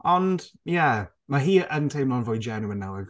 Ond, ie, mae hi yn teimlo'n fwy genuine nawr...